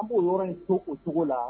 An b'o yɔrɔ in to o cogo la